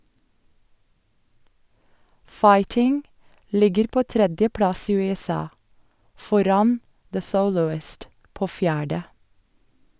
"Fighting" ligger på tredjeplass i USA, foran "The Soloist" på fjerde.